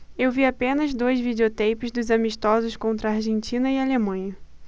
eu vi apenas dois videoteipes dos amistosos contra argentina e alemanha